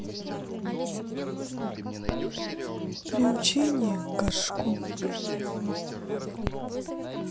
приучение к горшку